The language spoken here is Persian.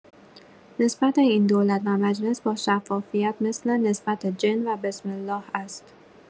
نسبت این دولت و مجلس با شفافیت مثل، نسبت جن و بسم‌الله است.